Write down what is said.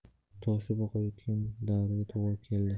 toshib oqayotgan davriga to'g'ri keldi